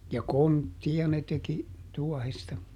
ja kontteja ne teki tuohesta